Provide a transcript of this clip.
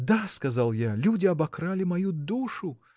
Да, – сказал я, – люди обокрали мою душу.